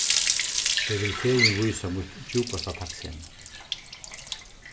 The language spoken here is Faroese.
eg vil fegin vísa mítt djúpasta takksemi